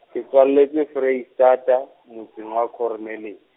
ke tswaletswe Vrystaat a, motseng wa Korone letse.